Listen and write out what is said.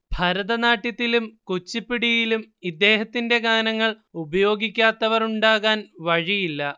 ഭരതനാട്യത്തിലും കുച്ചിപ്പുടിയിലും ഇദ്ദേഹത്തിന്റെ ഗാനങ്ങൾ ഉപയോഗിക്കാത്തവറുണ്ടാകാൻ വഴിയില്ല